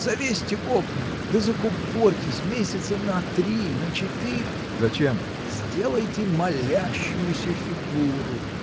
завесьте окна да закупорьтесь месяца на три, на четыре. — Зачем? — Сделайте молящуюся фигуру!